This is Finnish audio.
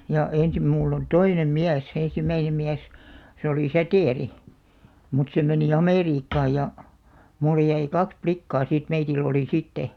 ja ensin minulla on toinen mies ensimmäinen mies se oli Säteri mutta se meni Amerikkaan ja minulle jäi kaksi likkaa sitten meillä oli sitten